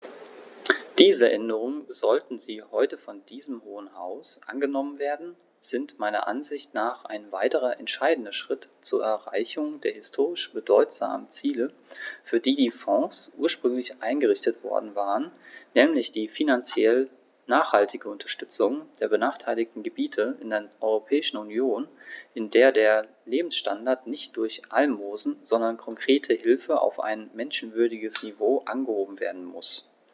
Diese Änderungen, sollten sie heute von diesem Hohen Haus angenommen werden, sind meiner Ansicht nach ein weiterer entscheidender Schritt zur Erreichung der historisch bedeutsamen Ziele, für die die Fonds ursprünglich eingerichtet worden waren, nämlich die finanziell nachhaltige Unterstützung der benachteiligten Gebiete in der Europäischen Union, in der der Lebensstandard nicht durch Almosen, sondern konkrete Hilfe auf ein menschenwürdiges Niveau angehoben werden muss.